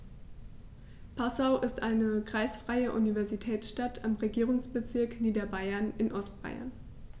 Passau ist eine kreisfreie Universitätsstadt im Regierungsbezirk Niederbayern in Ostbayern.